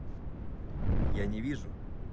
я не вижу